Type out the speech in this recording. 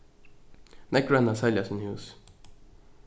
nógv royna at selja síni hús